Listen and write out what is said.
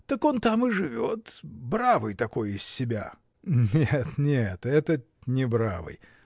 Так он там и живет: бравый такой из себя. — Нет, нет — этот не бравый!